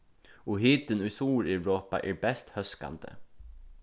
og hitin í suðureuropa er best hóskandi